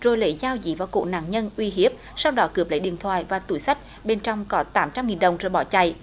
rồi lấy dao dí vào cổ nạn nhân uy hiếp sau đó cướp lấy điện thoại và túi xách bên trong có tám trăm nghìn đồng rồi bỏ chạy